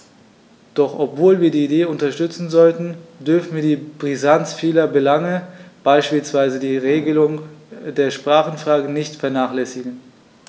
Doch obwohl wir die Idee unterstützen sollten, dürfen wir die Brisanz vieler Belange, beispielsweise die Regelung der Sprachenfrage, nicht vernachlässigen.